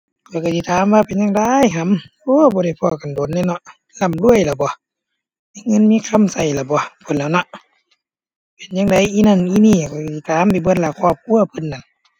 ส่วนตัวข้อยมัก Fast and Furious เรื่องพวกรถแข่ง เพราะว่าข้อยมักรถ การแข่งรถ การต่อสู้กันเทิงรถ แต่ว่าภาคหลังหลังมารู้สึกว่ามันออกนอกโลกโพด ข้อยเลยตัวบ่ค่อยติดตามปานใด